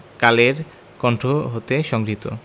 কালের কন্ঠ হতে সংগৃহীত